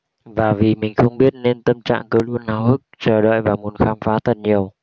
và vì mình không biết nên tâm trạng cứ luôn háo hức chờ đợi và muốn khám phá thật nhiều